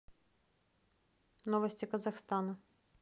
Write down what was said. новости казахстана